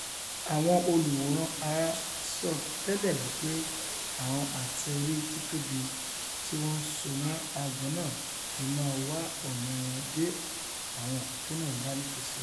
Àwọn olùwòran àrà sọtẹ́lẹ̀ wí pé àwọn ate-ori títóbi tíwọn ńsomó àgbọ̀n náà leè máa wá ọ̀nà wọn dé àwọn òpópónà ńlá nítòsí rẹ̀.